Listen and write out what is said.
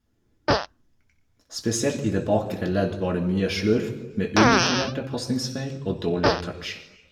Spesielt i det bakre ledd var det mye slurv, med umotiverte pasningsfeil og dårlige touch.